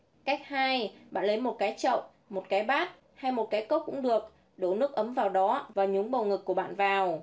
cách bạn lấy cái chậu cái bát hay cái cốc cũng được đổ nước ấm vào đó và nhúng bầu ngực của bạn vào